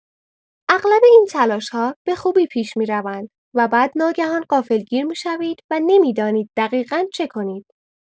اغلب این تلاش‌ها به‌خوبی پیش می‌روند و بعد ناگهان غافلگیر می‌شوید و نمی‌دانید دقیقا چه کنید.